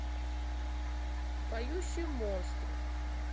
поющие монстры